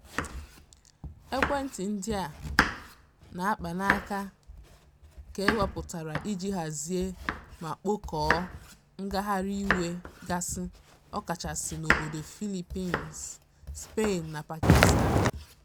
Ekwentị ndị a na-akpanaka ka ewepụtara iji hazie ma kpọkọọ ngagharị iwe gasị – ọkachasị n'obodo Philippines, Spain na Pakistan.